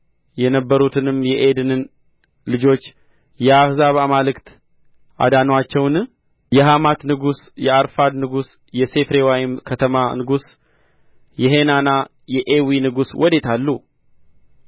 የነበሩትንም የዔድንን ልጆች የአሕዛብ አማልክት አዳኑአቸውን የሐማት ንጉሥ የአርፋድ ንጉሥ የሴፈርዋይም ከተማ ንጉሥ የሄናና የዒዋ ንጉሥ ወዴት አሉ